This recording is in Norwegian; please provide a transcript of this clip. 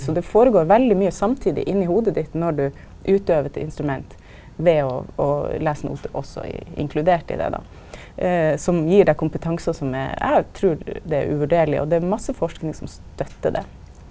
så det går føre seg veldig mykje samtidig inni hovudet ditt når du utøver eit instrument ved å å lesa notar også inkludert i det då som gir deg kompetanse som er eg trur det er uvurderleg, og det er masse forsking som støttar det.